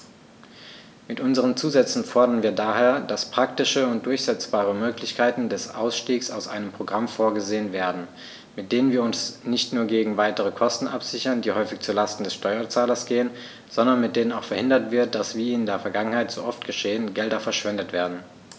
Mit unseren Zusätzen fordern wir daher, dass praktische und durchsetzbare Möglichkeiten des Ausstiegs aus einem Programm vorgesehen werden, mit denen wir uns nicht nur gegen weitere Kosten absichern, die häufig zu Lasten des Steuerzahlers gehen, sondern mit denen auch verhindert wird, dass, wie in der Vergangenheit so oft geschehen, Gelder verschwendet werden.